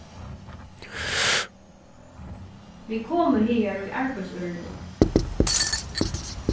vit komu higar í arbeiðsørindum